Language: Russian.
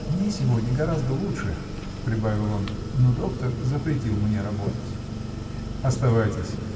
"Мне сегодня гораздо лучше, -- прибавил он, -- но доктор запретил мне работать". -- Оставайтесь!